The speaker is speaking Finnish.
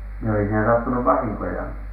no ei siinä sattunut vahinkoja